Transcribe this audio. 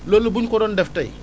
loolu bu ñu ko doon def tey